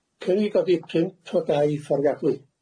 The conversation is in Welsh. Cynnig i godi pump o dai fforddiadwy.